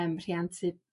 yym rhiant i